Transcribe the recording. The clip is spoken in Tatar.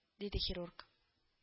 — диде хирург